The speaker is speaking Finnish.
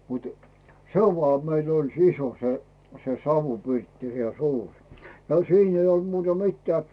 mutta se oli vain meillä oli se iso se se savupirtti ja suuri ja siinä ei ollut muuta mitään